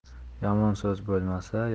yomon so'z bo'lmasa